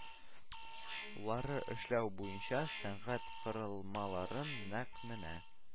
Лары эшләү буенча сәнәгать корылмаларын нәкъ менә